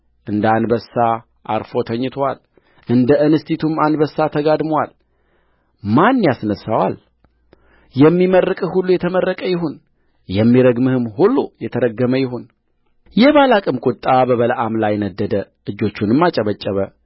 እንደ አንበሳ ዐርፎ ተኝቶአልእንደ እንስቲቱም አንበሳ ተጋድሞአልማን ያስነሣዋል የሚመርቅህ ሁሉ የተመረቀ ይሁንየሚረግምህም ሁሉ የተገመ ይሁንየባላቅም ቍጣ በበለዓም ላይ ነደደ እጆቹንም አጨበጨበ